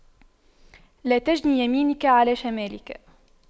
لا تجن يمينك على شمالك